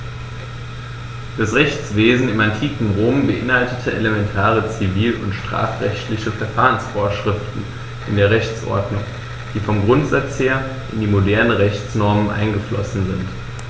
Das Rechtswesen im antiken Rom beinhaltete elementare zivil- und strafrechtliche Verfahrensvorschriften in der Rechtsordnung, die vom Grundsatz her in die modernen Rechtsnormen eingeflossen sind.